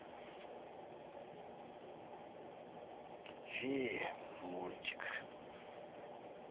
феи мультик